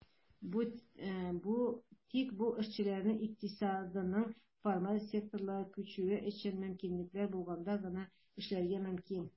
Тик бу эшченең икътисадның формаль секторына күчүе өчен мөмкинлекләр булганда гына эшләргә мөмкин.